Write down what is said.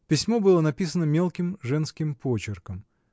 Письмо было написано мелким женским почерком.